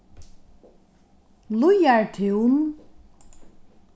líðartún